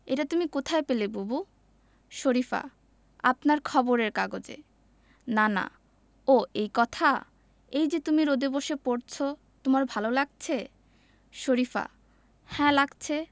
এটা তুমি কোথায় পেলে বুবু শরিফা আপনার খবরের কাগজে নানা ও এই কথা এই যে তুমি রোদে বসে পড়ছ তোমার ভালো লাগছে শরিফা হ্যাঁ লাগছে